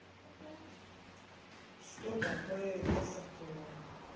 что такое весов тимур